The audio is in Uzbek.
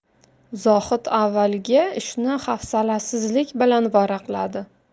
zohid avvaliga ish ni hafsalasizlik bilan varaqladi